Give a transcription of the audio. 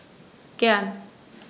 Gern.